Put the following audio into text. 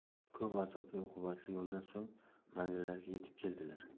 ko'p azobli uqubatli yo'ldan so'ng manzillariga yetib keldilar